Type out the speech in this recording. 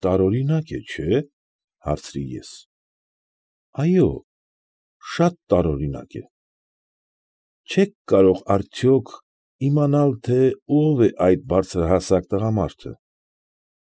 Տարօրինակ է, չէ՞, ֊ հարցրի ես։ ֊ Այո, շատ տարօրինակ է։ ֊ Չե՞ք կարող, արդյոք, իմանալ, թե ով է այդ բարձրահասակ տղամարդը։ ֊